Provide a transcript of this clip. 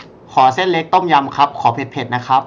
ขอเส้นเล็กต้มยำครับขอเผ็ดเผ็ดนะครับ